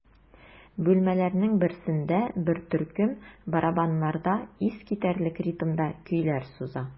Бүлмәләрнең берсендә бер төркем барабаннарда искитәрлек ритмда көйләр суза.